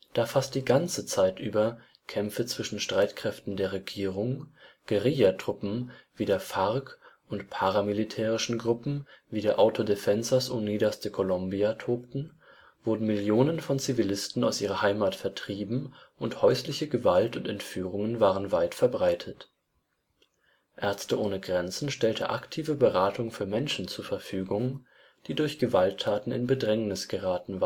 Da fast die ganze Zeit über Kämpfe zwischen Streitkräften der Regierung, Guerilla-Gruppen wie der FARC und paramilitärischen Gruppen wie der Autodefensas Unidas de Colombia tobten, wurden Millionen von Zivilisten aus ihrer Heimat vertrieben und häusliche Gewalt und Entführungen waren weit verbreitet. Ärzte ohne Grenzen stellte aktive Beratung für Menschen zur Verfügung, die durch Gewalttaten in Bedrängnis geraten